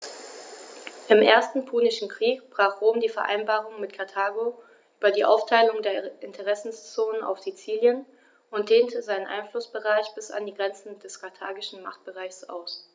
Im Ersten Punischen Krieg brach Rom die Vereinbarung mit Karthago über die Aufteilung der Interessenzonen auf Sizilien und dehnte seinen Einflussbereich bis an die Grenze des karthagischen Machtbereichs aus.